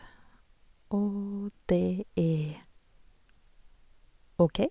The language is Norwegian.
Og det er OK.